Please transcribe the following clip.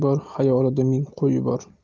bor xayolida ming qo'yi bor